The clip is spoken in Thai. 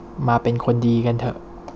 มาเป็นคนดีกันเถอะ